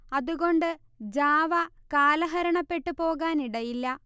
അതുകൊണ്ട് ജാവ കാലഹരണപ്പെട്ട് പോകാനിടയില്ല